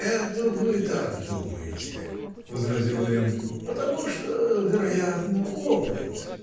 -- Это вы так думаете, -- возразил Лемм, -- потому что, вероятно, опыт.